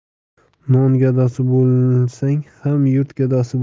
non gadosi bo'lsang ham yurt gadosi bo'lma